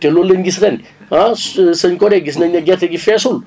te loolu la ñu gis ren ah su suñ côté gis nañ ne gerte gi feesul